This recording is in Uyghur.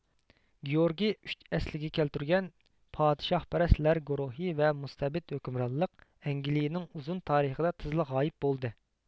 گېئورگې ئۈچ ئەسلىگە كەلتۈرگەن پادىشاھپەرەس لەر گۇرۇھى ۋە مۇستەبىت ھۆكۈمرانلىق ئەنگلىيىنىڭ ئۇزۇن تارىخىدا تېزلا غايىب بولدى